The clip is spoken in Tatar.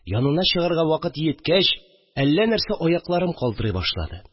Янына чыгарга вакыт йиткәч, әллә нәрсә, аякларым калтырый башлады